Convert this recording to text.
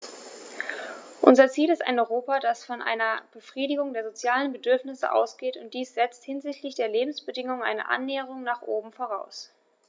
Unser Ziel ist ein Europa, das von einer Befriedigung der sozialen Bedürfnisse ausgeht, und dies setzt hinsichtlich der Lebensbedingungen eine Annäherung nach oben voraus.